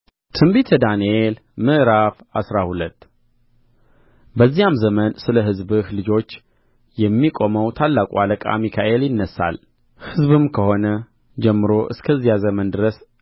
ትንቢተ ዳንኤል ምዕራፍ አስራ ሁለት በዚያም ዘመን ስለ ሕዝብህ ልጆች የሚቆመው ታላቁ አለቃ ሚካኤል ይነሣል ሕዝብም ከሆነ ጀምሮ እስከዚያ ዘመን ድረስ